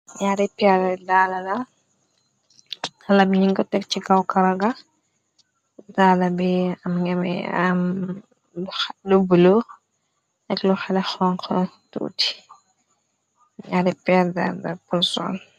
Labi ñi ngoteg ci kaw karaga daala bi am ngami alu bulux nek lu xele xonxn tuuti ñari pierre dal dal polson.